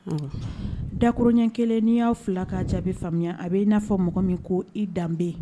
Unhun. Dakurunɲɛ kelen ni n y'aw fila ka jaabi faamuya a bɛ i n'a fɔ mɔgɔ min ko i danbe.